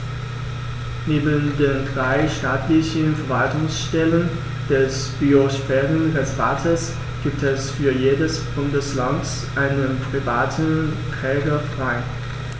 Neben den drei staatlichen Verwaltungsstellen des Biosphärenreservates gibt es für jedes Bundesland einen privaten Trägerverein.